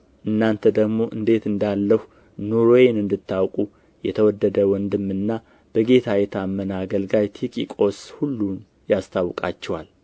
እናንተ ደግሞ እንዴት እንዳለሁ ኑሮዬን እንድታውቁ የተወደደ ወንድምና በጌታ የታመነ አገልጋይ ቲኪቆስ ሁሉን ያስታውቃችኋል